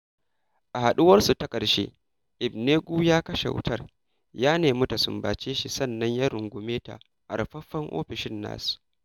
A haɗuwarsu ta ƙarshe, Igbenegbu ya kashe wutar, ya nemi ta sumbace shi sannan ya rungume ta a rufaffen ofishin nasa.